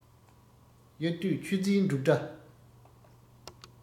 དབྱར དུས ཆུ འཛིན འབྲུག སྒྲ